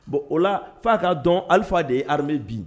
Bon o la'a k kaa dɔn alifa de ye hami bin